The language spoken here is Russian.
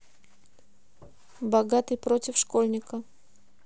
богатый против школьника